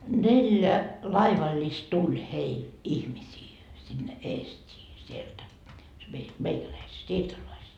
neljä laivallista tuli heille ihmisiä sinne Eestiin sieltä se meidän meikäläiset siirtolaiset